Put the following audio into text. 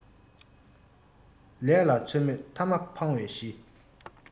ལས ལ ཚོད མེད ཐ མ ཕང བའི གཞི